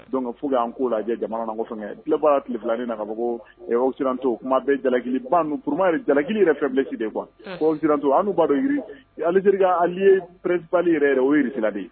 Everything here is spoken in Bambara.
Donc il faut que an kolajɛ jamana na, n ko fɛngɛ, n tulo b'a la tile filanin ka fɔ ko occidentaux tuma bɛɛ jalakiliba ninnu pour moi jalakili yɛrɛ ye faiblesse de ye quoi ko occidentaux an dun b'a dɔn Algérie ka alliée principale yɛrɛ ye Russie la de ye.